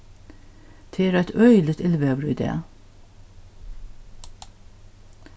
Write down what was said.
tað er eitt øgiligt illveður í dag